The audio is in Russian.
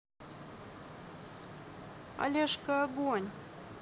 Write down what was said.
олежка огонь